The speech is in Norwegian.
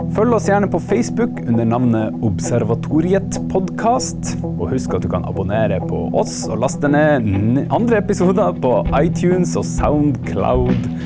følg oss gjerne på Facebook under navnet Observatoriet podkast, og husk at du kan abonnere på oss og laste ned andre episoder på iTunes og Soundcloud.